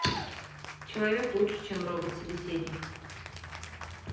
человек лучше чем робот собеседник